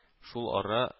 Шул ара